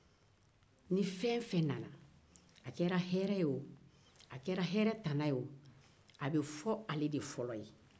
ni fɛn o fɛn nana a kɛra hɛre o a kɛra hɛrɛ tana ye o a bɛ fɔ ale de fɔlɔ ye